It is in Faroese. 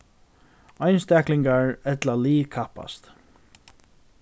einstaklingar ella lið kappast